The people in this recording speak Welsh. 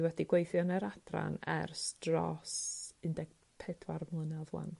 dwi wedi gweithio'n yr adran ers dros un deg pedwar mlynadd ŵan